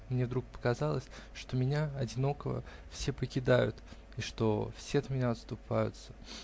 Мне вдруг показалось, что меня, одинокого, все покидают и что все от меня отступаются.